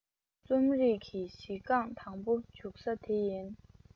རྩོམ རིག གི གཞི རྐང དང པོ འཛུགས ས དེ ཡིན